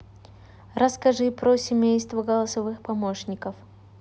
расскажи про семейство голосовых помощников